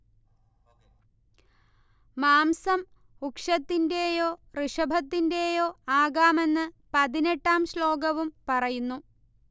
മാംസം ഉക്ഷത്തിന്റെയോ ഋഷഭത്തിന്റെയോ ആകാമെന്ന് പതിനെട്ടാം ശ്ലോകവും പറയുന്നു